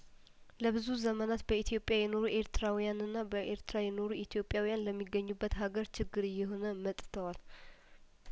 ለብዙ ዘመናት በኢትዮጵያ የኖሩ ኤርትራውያንና በኤርትራ የኖሩ ኢትዮጵያውያን ለሚገኙበት ሀገር ችግር እየሆነ መጥተዋል